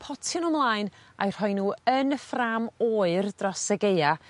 potio n'w mlaen a'u rhoi n'w yn y ffrâm oer dros y Gaea.